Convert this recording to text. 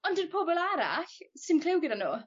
ond dyw'r pobol arall si'm cliw gyda n'w.